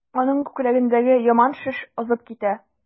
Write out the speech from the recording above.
Аның күкрәгендәге яман шеш азып китә.